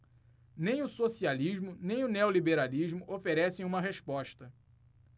nem o socialismo nem o neoliberalismo oferecem uma resposta